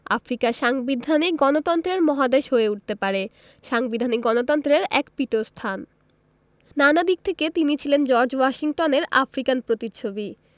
Africa সাংবিধানিক গণতন্ত্রের মহাদেশ হয়ে উঠতে পারে সাংবিধানিক গণতন্ত্রের এক পীঠস্থান নানা দিক থেকে তিনি ছিলেন জর্জ ওয়াশিংটনের আফ্রিকান প্রতিচ্ছবি